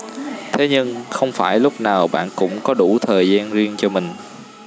thế nhưng không phải lúc nào bạn cũng có đủ thời gian riêng cho mình